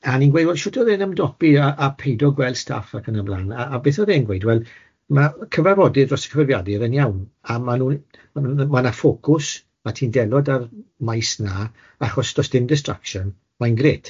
A o'n i'n gweud, wel shwt o'dd e'n ymdopi â â peido gweld staff ac yn y blan, a a beth o'dd e'n gweud, wel, ma' cyfarfodydd dros y cyfrifiadur yn iawn, a ma' nw'n ma- ma' 'na ffocws, a ti'n delo 'da'r maes 'na, achos does dim distraction, mae'n grêt.